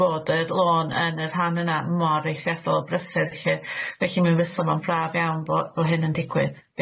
bod yr lôn yn y rhan yna mor eithriadol o brysur 'lly, felly mi'n fysa fo'n braf iawn bo' bo' hyn yn digwydd.